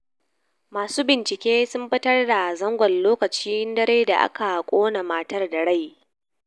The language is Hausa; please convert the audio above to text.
Masu bincike sun fitar da zangon lokacin dare da aka ƙona matar da rai